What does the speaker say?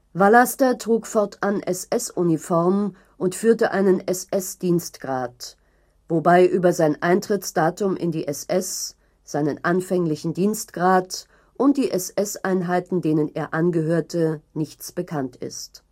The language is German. Vallaster trug fortan SS-Uniform und führte einen SS-Dienstgrad, wobei über sein Eintrittsdatum in die SS, seinen anfänglichen Dienstgrad und die SS-Einheiten, denen er angehörte, nichts bekannt ist